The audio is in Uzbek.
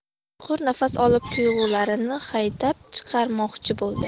chuqur nafas olib tuyg'ularini haydab chiqarmoqchi bo'ldi